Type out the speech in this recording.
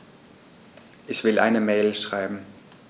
Ich will eine Mail schreiben.